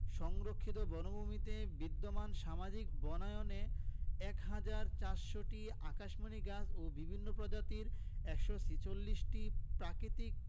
সংরক্ষিত বনভূমিতে বিদ্যমান সামাজিক বনায়নের ১ হাজার ৪০০টি আকাশমণি গাছ ও বিভিন্ন প্রজাতির ১৪৬ টি প্রাকৃতিক